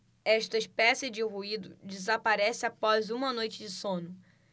esta espécie de ruído desaparece após uma noite de sono